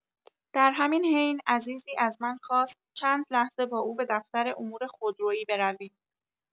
در همین حین عزیزی از من خواست چند لحظه با او به دفتر امور خودروئی برویم.